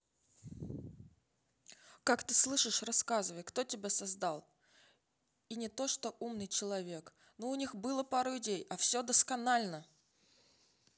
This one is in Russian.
так ты слышишь рассказывай кто тебя создал и не что это умный человек и у них было пару идей а все досконально